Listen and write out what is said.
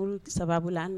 Ulu d sababu la an na